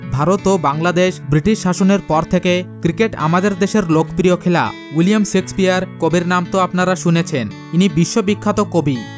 ভারত-বাংলাদেশ British শাসনের পর থেকে ক্রিকেট আমাদের দেশের লোক প্রিয় খেলা উইলিয়াম শেক্সপিয়ার কবির নাম তো আপনারা শুনেছেন ইনি বিশ্ব বিখ্যাত কবি